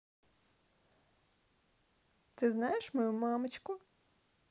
ты знаешь мою мамочку